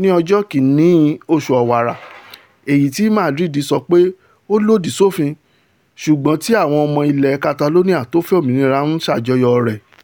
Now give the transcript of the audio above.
ní ọjọ́ Kìn-ín-ní oṣù Ọ̀wàrà èyití Madrid sọ pé ó lòdì sófin ṣùgbọ́n tí àwọn ọmọ ilẹ̀ Catalonia tó fẹ òmìnira ń ṣàjọyọ̀ rẹ̀